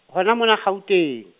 hona mona Gauteng.